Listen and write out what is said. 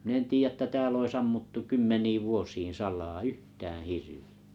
minä en tiedä että täällä olisi ammuttu kymmeniin vuosiin salaa yhtään hirviä